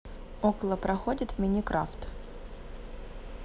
около проходят в minecraft